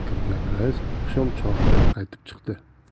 kirgan rais oqshom chog'ida qaytib chiqdi